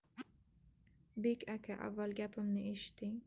bek aka avval gapimni eshiting